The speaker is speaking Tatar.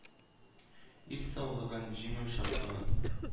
Ил саулыгын, җиңү шатлыгын.